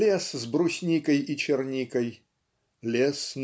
лес с брусникой и черникой лес